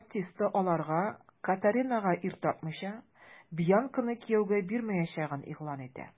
Баптиста аларга, Катаринага ир тапмыйча, Бьянканы кияүгә бирмәячәген игълан итә.